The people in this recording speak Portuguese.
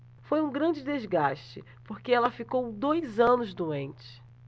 foi um grande desgaste porque ela ficou dois anos doente